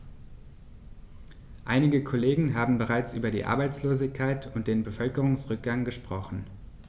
Einige Kollegen haben bereits über die Arbeitslosigkeit und den Bevölkerungsrückgang gesprochen.